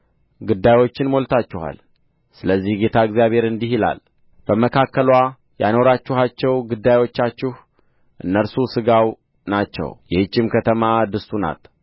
ግዳዮችን ሞልታችኋል ስለዚህ ጌታ እግዚአብሔር እንዲህ ይላል በመካከልዋ ያኖራችኋቸው ግዳዮቻችሁ እነርሱ ሥጋው ናቸው ይህችም ከተማ ድስቱ ናት